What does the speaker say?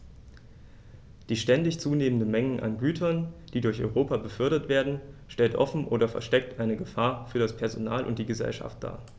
Die ständig zunehmende Menge an Gütern, die durch Europa befördert werden, stellt offen oder versteckt eine Gefahr für das Personal und die Gesellschaft dar.